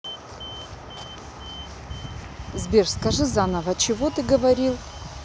сбер скажи заново чего ты говорил